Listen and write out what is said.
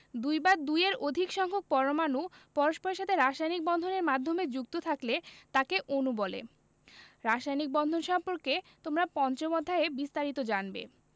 দুই বা দুইয়ের অধিক সংখ্যক পরমাণু পরস্পরের সাথে রাসায়নিক বন্ধন এর মাধ্যমে যুক্ত থাকলে তাকে অণু বলে রাসায়নিক বন্ধন সম্পর্কে তোমরা পঞ্চম অধ্যায়ে বিস্তারিত জানবে